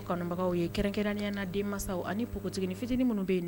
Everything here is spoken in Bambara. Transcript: Bagaw ye kɛrɛnkɛrɛnya na den ani pt fitinin minnu bɛ